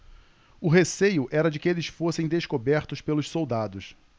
o receio era de que eles fossem descobertos pelos soldados